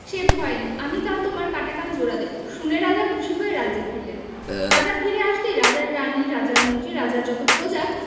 সে ভয় নেই আমি কাল তোমার কাটা কান জোড়া দেব শুনে রাজা খুশি হয়ে রাজ্যে ফিরলেন রাজা ফিরে আসতেই রাজার রানী রাজার মন্ত্রী রাজার যত প্রজা